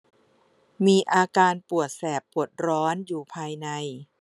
มีอาการปวดแสบปวดร้อนอยู่ภายใน